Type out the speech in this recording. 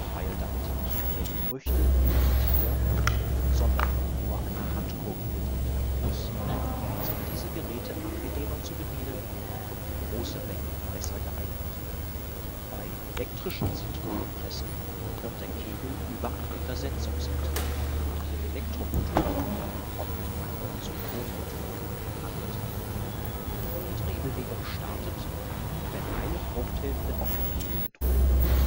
Weil damit nicht mehr die Früchte hin - und her -, sondern nur eine Handkurbel gedreht werden muss, sind diese Geräte angenehmer zu bedienen und für große Mengen besser geeignet. Bei elektrischen Zitronenpressen wird der Kegel über ein Untersetzungsgetriebe von einem Elektromotor - oft ein Synchronmotor - angetrieben. Die Drehbewegung startet, wenn eine Fruchthälfte auf den Kegel gedrückt wird